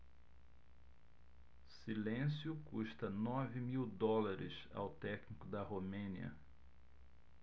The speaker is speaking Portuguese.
silêncio custa nove mil dólares ao técnico da romênia